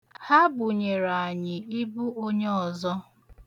Ha bunyere anyị ibu onye ọzọ.